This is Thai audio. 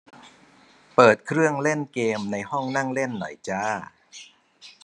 เปิดเครื่องเล่นเกมในห้องนั่งเล่นหน่อยจ้า